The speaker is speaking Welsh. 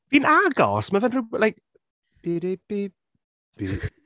Fi’n agos, mae fe’n rhyw… like… be-re bi by.